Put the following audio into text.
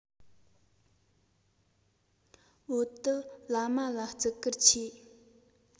བོད དུ བླ མ ལ བརྩི བཀུར ཆེ